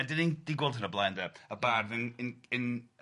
A dan ni'n di gweld hyn o blaen de, y bardd yn yn yn yy